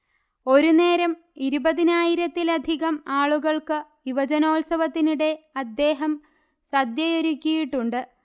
ഒരുനേരം ഇരുപതിനായിരത്തിലധികം ആളുകൾക്ക് യുവജനോത്സവത്തിനിടെ അദ്ദേഹം സദ്യയൊരുക്കിയിട്ടുണ്ട്